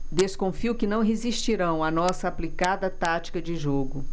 desconfio que não resistirão à nossa aplicada tática de jogo